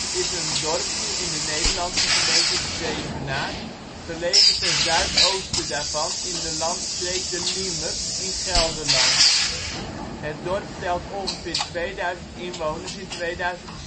is een dorpje in de Nederlandse gemeente Zevenaar, gelegen ten zuidoosten daarvan in de landstreek " De Liemers " in Gelderland. Het dorp telt ongeveer 2000 inwoners (2006